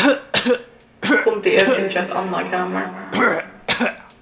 kundi eg fingið eitt annað kamar